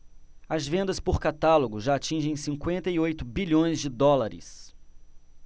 as vendas por catálogo já atingem cinquenta e oito bilhões de dólares